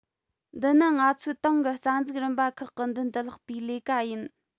འདི ནི ང ཚོའི ཏང གི རྩ འཛུགས རིམ པ ཁག གི མདུན དུ ལྷགས པའི ལས ཀ ཡིན